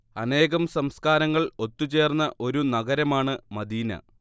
അനേകം സംസ്കാരങ്ങൾ ഒത്തുചേർന്ന ഒരു നഗരമാണ് മദീന